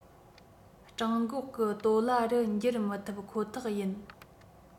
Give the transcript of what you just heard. གྲང འགོག གི སྟོད ལྭ རུ འགྱུར མི ཐུབ ཁོ ཐག ཡིན